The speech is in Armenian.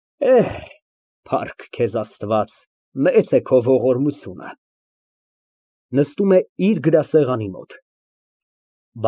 Էհ, փառք քեզ Աստված, մեծ է քո ողորմությունը։ (Նստում է իր գրասեղանի մոտ)։